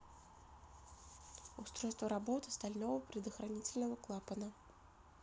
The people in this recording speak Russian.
устройство работы стального предохранительного клапана